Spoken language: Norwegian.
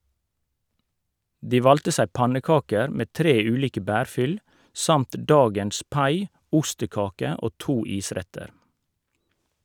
De valgte seg pannekaker med tre ulike bærfyll, samt dagens pai (ostekake) og to isretter.